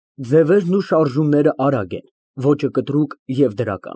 Ձևերն ու շարժումներն արագ են, ոճը կտրուկ և գրական։